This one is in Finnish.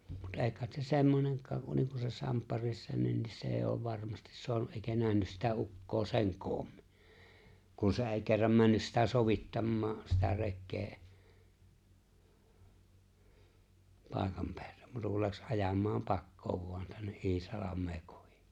mutta ei kai se semmoinenkaan kuin niin se Samppa Rissanenkin se ei ole varmasti saanut eikä nähnyt sitä ukkoa sen koommin kun se ei kerran mennyt sitä sovittamaan sitä rekeä paikan päälle muuta kuin lähti ajamaan pakoon vain tänne Iisalmea kohti